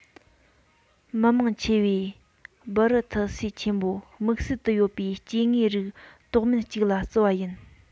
མི མང ཆེ བས སྦུ རི ཐི སེ ཆེན པོར དམིགས བསལ དུ ཡོད པའི སྐྱེ དངོས རིགས དོགས མེད ཅིག ལ བརྩི བ ཡིན